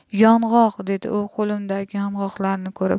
yong'oq dedi u qo'limdagi yong'oqlarni ko'rib